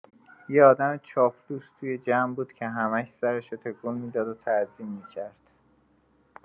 یه آدم چاپلوس توی جمع بود که همش سرشو تکون می‌داد و تعظیم می‌کرد.